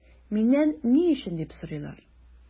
Миннән “ни өчен” дип сорыйлар.